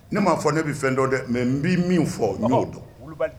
Ne m'a fɔ ne bɛ fɛn dɔn dɛ mɛ n bɛ' min fɔ ɲumanw dɔn